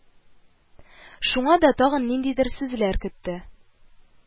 Шуңа да тагын ниндидер сүзләр көтте